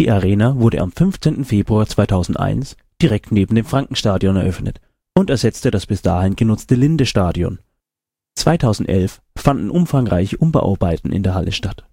Arena wurde am 15. Februar 2001 direkt neben dem Frankenstadion eröffnet und ersetzte das bis dahin genutzte Linde-Stadion. 2011 fanden umfangreiche Umbauarbeiten in der Halle statt